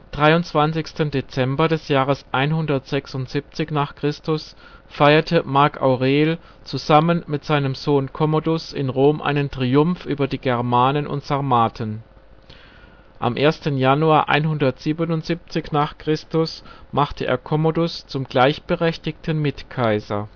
23. Dezember des Jahres 176 feierte Marc Aurel zusammen mit seinem Sohn Commodus in Rom einen Triumph über die Germanen und Sarmaten. Am 1. Januar 177 machte er Commodus zum gleichberechtigten Mitkaiser